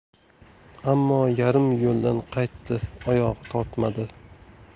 ammo yarim yo'ldan qaytdi oyog'i tortmadi